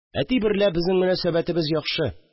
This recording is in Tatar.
Әти берлә безнең мөнәсәбәтебез яхшы